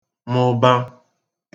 mụba